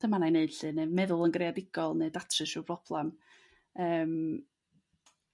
dyma 'na' i 'neud 'lly ne' meddwl yn greadigol ne' datrys ryw broblam yrm.